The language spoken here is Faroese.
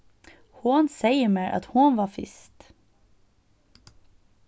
hon segði mær at hon var fyrst